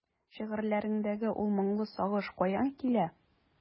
Шигырьләреңдәге ул моңлы сагыш каян килә?